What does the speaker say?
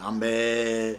An